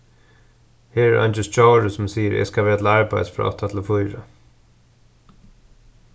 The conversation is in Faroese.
her er eingin stjóri sum sigur at eg skal vera til arbeiðis frá átta til fýra